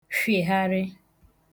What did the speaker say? fhị̀gharị